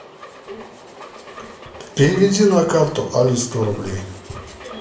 переведи на карту оли сто рублей